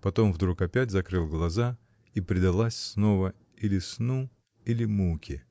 потом вдруг опять закрыла глаза и предалась снова или сну, или муке.